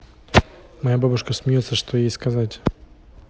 моя бабушка смеется что ей сказать